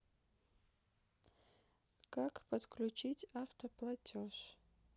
как подключить автоплатеж